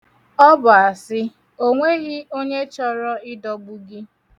Ọ bụ asi, onweghi onye chọrọ ịdọgbu gị.